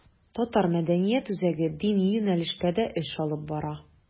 Татар мәдәният үзәге дини юнәлештә дә эш алып бара.